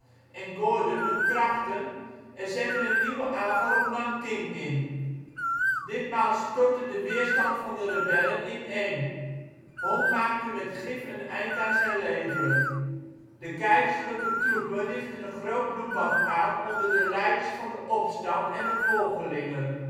Gordon hun krachten en zetten een nieuwe aanval op Nanking in. Ditmaal stortte de weerstand van de rebellen ineen. Hong maakte met gif een eind aan zijn leven. De keizerlijke troepen richtten een groot bloedbad aan onder de leiders van de opstand en hun volgelingen